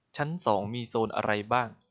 ชั้นสองมีโซนอะไรบ้าง